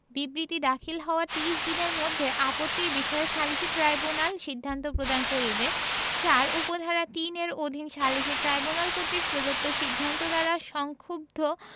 বিবৃতি দাখিল হওয়ার ত্রিশ দনের মধ্যে আপত্তির বিষয়ে সালিসী ট্রাইব্যুনাল সিদ্ধান্ত প্রদান করিবে ৪ উপ ধারা ৩ এর অধীন সালিসী ট্রাইব্যুনাল কর্তৃক প্রদত্ত সিদ্ধান্ত দ্বারা সংক্ষুব্ধ